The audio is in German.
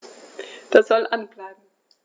Das soll an bleiben.